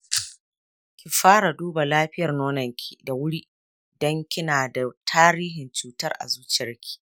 ki fara duba lafiyar nononki da wuri idan kinada tarihin cutar a zuriyanki.